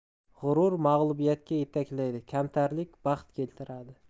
g'urur mag'lubiyatga yetaklaydi kamtarlik baxt keltiradi